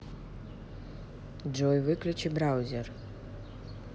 джой выключи браузер